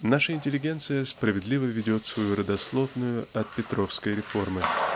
Наша интеллигенция справедливо ведет свою родословную от петровской реформы.